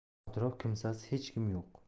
atrof kimsasiz hech kim yo'q